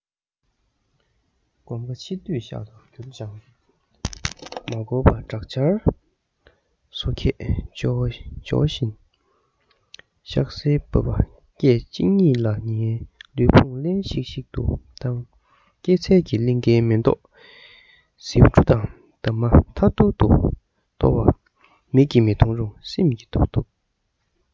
གོམ ཁ ཕྱིར སྡོད ཤག ཏུ བསྒྱུར ཅང མ འགོར པར དྲག ཆར ཟོ ཁས བྱོ བ བཞིན ཤག སེར བབས པ སྐད ཅིག ཉིད ལ ངའི ལུས ཡོངས བརླན ཤིག ཤིག ཏུ བཏང སྐྱེད ཚལ གྱི གླིང གའི མེ ཏོག ཟེའུ འབྲུ དང འདབ མ ཐར ཐོར དུ གཏོར བ མིག གིས མི མཐོང རུང སེམས ཀྱིས རྟོགས ཐུབ